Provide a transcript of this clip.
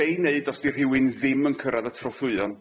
Be' i neud os di rhywun ddim yn cyrradd y trothwyon?